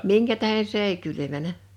minkä tähden se ei kylmännyt